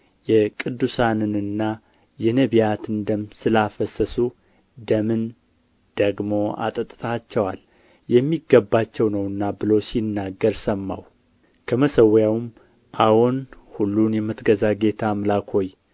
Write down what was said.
የቅዱሳንና የነቢያትን ደም ስላፈሰሱ ደምን ደግሞ አጠጥተሃቸዋል የሚገባቸው ነውና ብሎ ሲናገር ሰማሁ ከመሰዊያውም አዎን ሁሉን የምትገዛ ጌታ አምላክ ሆይ